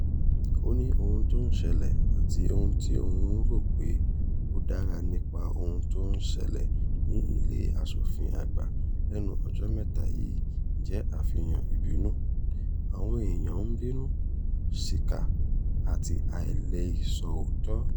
Ó ní “Ohun tó ń ṣẹlẹ̀, àti ohun tí òun rò pé ó dára nípa ohun tó ń ṣẹlẹ̀ ní Ilé Aṣòfin Àgbà lẹ́nu ọjọ́ mẹ́ta yìí jẹ́ àfihàn ìbínú. Àwọn èèyàn ń bínú, ṣìkà, àti aláìṣòótọ́.”